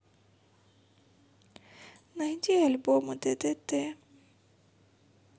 найди альбомы ддт